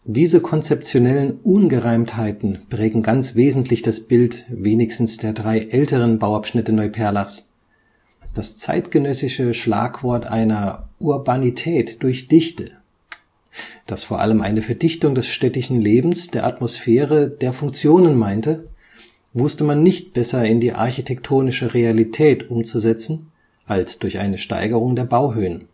Diese konzeptionellen Ungereimtheiten prägen ganz wesentlich das Bild wenigstens der drei älteren Bauabschnitte Neuperlachs: das zeitgenössische Schlagwort einer „ Urbanität durch Dichte “– das vor allem eine Verdichtung des städtischen Lebens, der Atmosphäre, der Funktionen meinte – wusste man nicht besser in die architektonische Realität umzusetzen als durch eine Steigerung der Bauhöhen